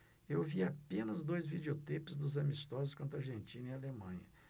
eu vi apenas dois videoteipes dos amistosos contra argentina e alemanha